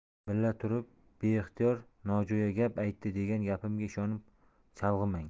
bila turib beixtiyor nojo'ya gap aytdi degan gapimga ishonib chalg'imang